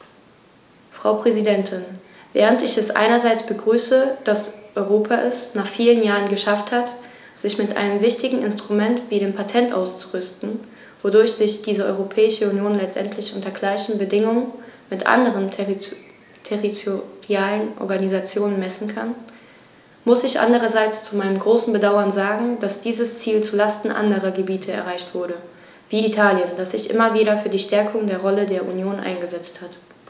Frau Präsidentin, während ich es einerseits begrüße, dass Europa es - nach vielen Jahren - geschafft hat, sich mit einem wichtigen Instrument wie dem Patent auszurüsten, wodurch sich die Europäische Union letztendlich unter gleichen Bedingungen mit anderen territorialen Organisationen messen kann, muss ich andererseits zu meinem großen Bedauern sagen, dass dieses Ziel zu Lasten anderer Gebiete erreicht wurde, wie Italien, das sich immer wieder für die Stärkung der Rolle der Union eingesetzt hat.